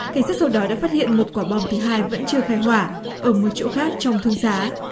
cảnh sát sau đó đã phát hiện một quả bom thứ hai vẫn chưa khai hỏa ở một chỗ khác trong thương xá